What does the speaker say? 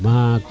maak